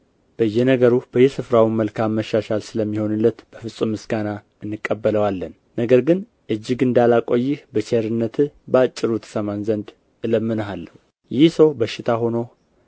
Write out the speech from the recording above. በየነገሩ በየስፍራውም መልካም መሻሻል ስለሚሆንለት በፍጹም ምስጋና እንቀበለዋለን ነገር ግን እጅግ እንዳላቆይህ በቸርነትህ በአጭሩ ትሰማን ዘንድ እለምንሃለሁ ይህ ሰው በሽታ ሆኖ